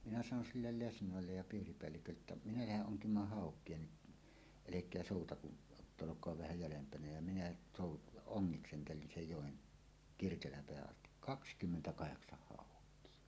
minä sanon sille lesnoille ja piiripäällikölle että minä lähden onkimaan haukia niin älkää soutako jotta olkaa vähän jäljempänä ja minä - ongiskentelin sen joen Kirkelänpäähän asti kaksikymmentä haukea